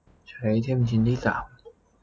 ใช้ไอเทมชิ้นที่สาม